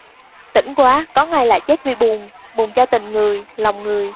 tỉnh quá có ngày lại chết vì buồn buồn cho tình người lòng người